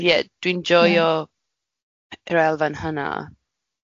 Ie, dwi'n joio ie, yr elfen hwnna.